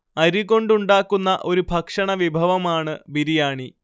അരി കൊണ്ടുണ്ടാക്കുന്ന ഒരു ഭക്ഷണ വിഭവമാണ് ബിരിയാണി